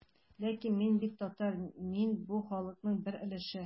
Ләкин мин бит татар, мин бу халыкның бер өлеше.